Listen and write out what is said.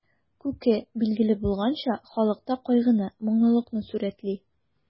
Күке, билгеле булганча, халыкта кайгыны, моңлылыкны сурәтли.